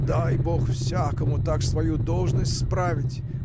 – Дай бог всякому так свою должность справить.